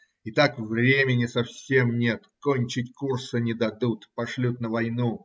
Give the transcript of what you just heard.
И так времени совсем нет, кончить курса не дадут, пошлют на войну